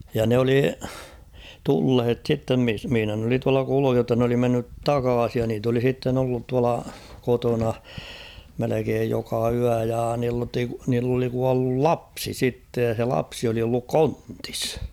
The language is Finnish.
ja ne oli tulleet sitten - missä ne oli tuolla kulussa jotta ne oli mennyt takaisin ja niitä oli sitten ollut tuolla kotona melkein joka yö ja - niiltä oli kuollut lapsi sitten ja se lapsi oli ollut kontissa